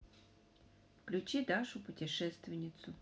включи дашу путешественницу